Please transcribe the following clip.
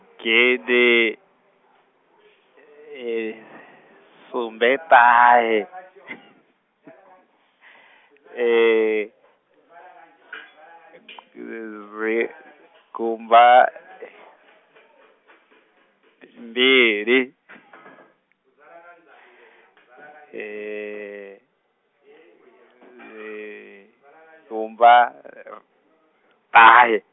gidi, sumbeṱahe, gumba , mbili gumba, ṱahe.